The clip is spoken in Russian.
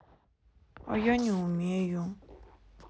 а я не умею